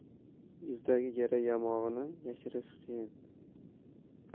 yuzdagi yara yamog'ini yashirish qiyin